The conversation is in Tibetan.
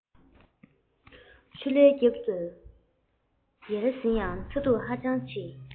ཆུ ལྷའི རྒྱབ ཏུ ཡལ ཟིན ཡང ཚ གདུག ཧ ཅང ཆེ